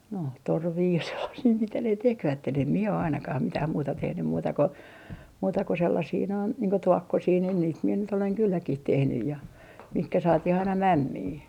no torvia ja sellaisia mitä ne tekivät en minä ole ainakaan mitään muuta tehnyt muuta kuin muuta kuin sellaisia noin niin kuin tuokkosia niin niitä minä nyt olen kylläkin tehnyt ja mihin saatiin aina mämmiä